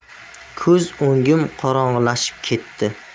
ko'z o'ngim qorong'ilashib ketdi